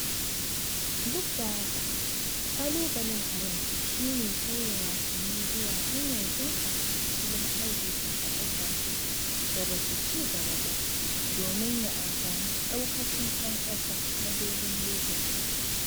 Duk da haka, ƙalubalen a yau shi ne sauya wasanni zuwa hanyar bunƙasa tattalin arziƙi a ƙasashen da ba su ci gaba ba domin ya amfani daukacin ‘yan ƙasa na dogon lokaci.